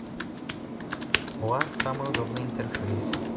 у вас самый удобный интерфейс